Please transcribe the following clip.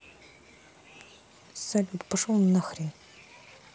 салют пошел нахрен